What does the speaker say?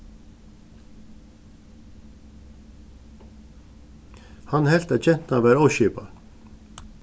hann helt at gentan var óskipað